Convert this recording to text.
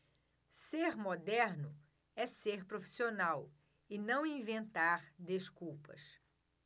ser moderno é ser profissional e não inventar desculpas